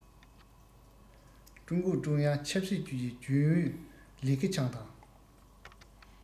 ཀྲུང གུང ཀྲུང དབྱང ཆབ སྲིད ཅུས ཀྱི རྒྱུན ཨུ ལི ཁེ ཆང དང